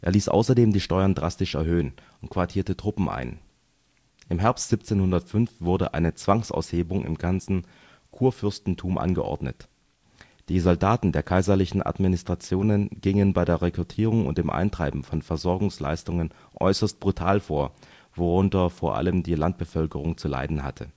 ließ außerdem die Steuern drastisch erhöhen und quartierte Truppen ein. Im Herbst 1705 wurde eine Zwangsaushebung im ganzen Kurfürstentum angeordnet. Die Soldaten der kaiserlichen Administrationen gingen bei der Rekrutierung und dem Eintreiben von Versorgungsleistungen äußerst brutal vor, worunter vor allem die Landbevölkerung zu leiden hatte